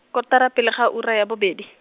kotara pele ga ura ya bobedi.